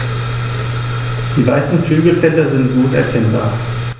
Die weißen Flügelfelder sind gut erkennbar.